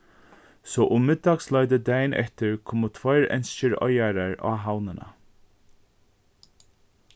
so um middagsleitið dagin eftir komu tveir enskir oyðarar á havnina